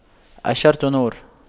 الشرط نور